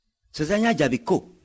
sonsan y'a jaabi ko